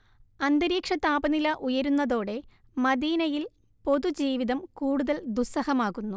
അന്തരീക്ഷതാപനില ഉയരുന്നതോടെ മദീനയിൽ പൊതുജീവിതം കുടുതൽ ദുസ്സഹമാകുന്നു